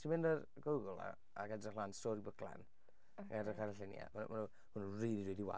Os ti'n mynd ar Google a ac edrych lan Storybook Glenn... ok i edrych ar y lluniau. Maen maen nhw mae nhw rili rili wael.